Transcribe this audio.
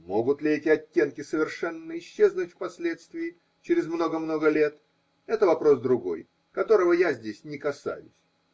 Могут ли эти оттенки совершенно исчезнуть впоследствии, через много-много лет, это вопрос другой, которого я здесь не касаюсь